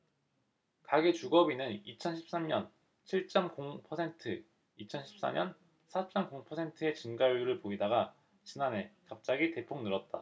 가계 주거비는 이천 십 삼 년 칠 쩜 공 퍼센트 이천 십 사 년 사 쩜 공 퍼센트의 증가율을 보이다가 지난해 갑자기 대폭 늘었다